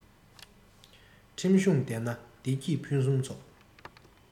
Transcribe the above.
ཁྲིམས གཞུང ལྡན ན བདེ སྐྱིད ཕུན སུམ ཚོགས